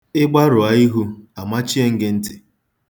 Ị gbarụọ ihu, amachie m gị ntị.